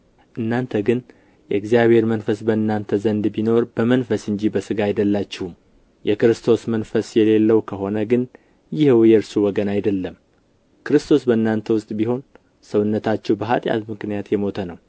እናንተ ግን የእግዚአብሔር መንፈስ በእናንተ ዘንድ ቢኖር በመንፈስ እንጂ በሥጋ አይደላችሁም የክርስቶስ መንፈስ የሌለው ከሆነ ግን ይኸው የእርሱ ወገን አይደለም ክርስቶስ በእናንተ ውስጥ ቢሆን ሰውነታችሁ በኃጢአት ምክንያት የሞተ ነው